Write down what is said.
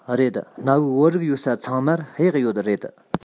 རེད གནའ བོའི བོད རིགས ཡོད ས ཚང མར གཡག ཡོད རེད